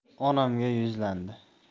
onamga yuzlandi